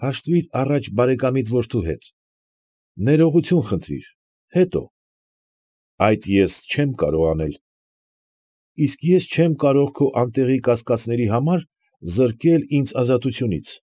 Հաշտվիր առաջ բարեկամիդ որդու հետ, ներողություն խնդրիր, հետո։ ֊ Այդ ես չեմ կարող անել։ ֊ Իսկ ես չեմ կարող քո անտեղի կասկածների համար զրկել ինձ ազատությունից։